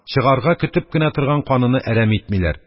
Чыгарга көтеп кенә торган каныны әрәм итмиләр.